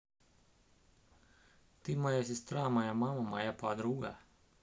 ты моя сестра моя мама моя подруга